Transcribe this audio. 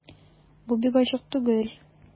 Бу бик ачык түгел...